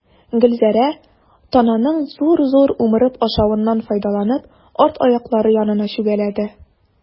Гөлзәрә, тананың зур-зур умырып ашавыннан файдаланып, арт аяклары янына чүгәләде.